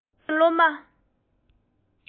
སློབ ཐོན སློབ མ